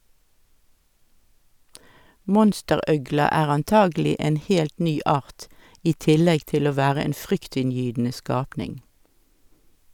Monsterøgla er antagelig en helt ny art, i tillegg til å være en fryktinngytende skapning.